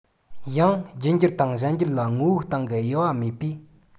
ཡང རྒྱུད འགྱུར དང གཞན འགྱུར ལ ངོ བོའི སྟེང གི དབྱེ བ མེད པས